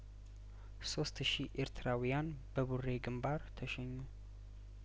ሶስት ሺ ኤርትራውያን በቡሬ ግንባር ተሸኙ